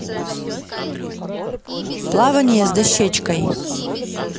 плавание с дощечкой